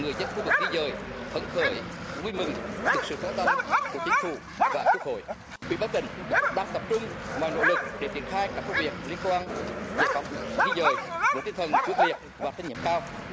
người dân khu vực di dời phấn khởi vui mừng được sự quan tâm của chính phủ và quốc hội ủy ban tỉnh đang tập trung mọi nỗ lực để triển khai các công việc liên quan giải phóng di dời với tinh thần quyết liệt và trách nhiệm cao